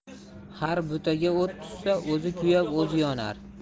har butaga o't tushsa o'zi kuyib o'zi yonar